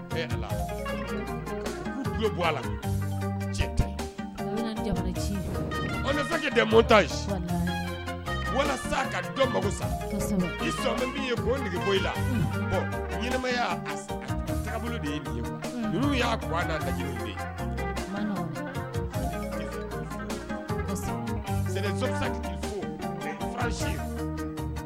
Walasa ka dɔn mako sa i ye ko bɔ i laya de olu y'a ye